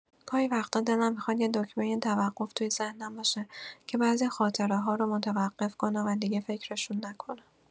گاهی وقتا دلم می‌خواد یه دکمۀ توقف توی ذهنم باشه که بعضی خاطره‌ها رو متوقف کنم و دیگه فکرشون نکنم.